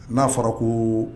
Na fɔra ko